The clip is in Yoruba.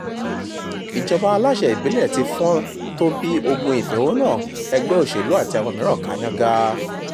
Àwọn aláṣẹ ìjọba ìbílẹ̀ ti fọ́n ó tó bíi ogún ìfèhònúhàn ẹgbẹ́ òṣèlú àti àwọn mìíràn ká yángá.